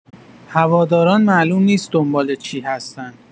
هواداران معلوم نیست دنبال چی هستن